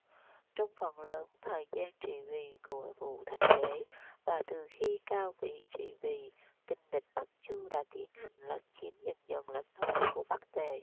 trong phần lớn thời gian trị vì của vũ thành đế và từ khi cao vĩ trị vì kình địch bắc chu đã tiến hành lấn chiếm dần dần lãnh thổ của bắc tề